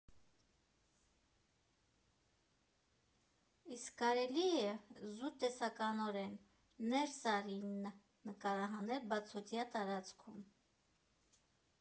Իսկ կարելի՞ է, զուտ տեսականորեն, «Նե՛րս արի»֊ն նկարահանել բացօթյա տարածքում։